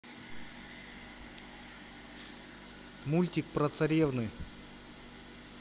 мультик про царевны